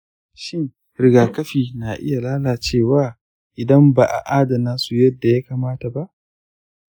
shin rigakafi na iya lalacewa idan ba a adana su yadda ya kamata ba?